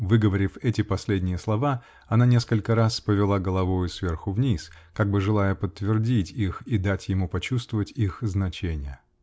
Выговорив эти последние слова, она несколько раз повела головою сверху вниз, как бы желая подтвердить их и дать ему почувствовать их значение.